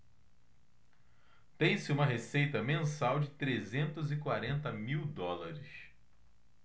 tem-se uma receita mensal de trezentos e quarenta mil dólares